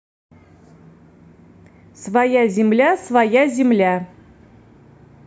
своя земля своя земля